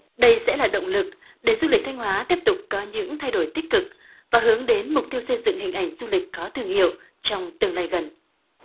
đây sẽ là động lực để du lịch thanh hóa tiếp tục có những thay đổi tích cực và hướng đến mục tiêu xây dựng hình ảnh du lịch có thương hiệu trong tương lai gần